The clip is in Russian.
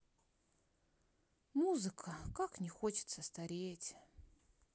музыка как не хочется стареть